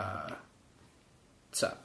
A ta.